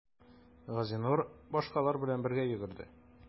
Газинур башкалар белән бергә йөгерде.